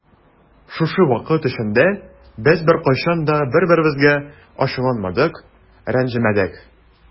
Шушы вакыт эчендә без беркайчан да бер-беребезгә ачуланмадык, рәнҗемәдек.